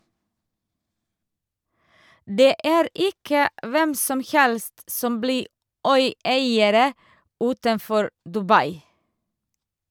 Det er ikke hvem som helst som blir øyeiere utenfor Dubai.